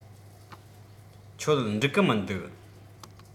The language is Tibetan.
ཁྱོད འགྲིག གི མི འདུག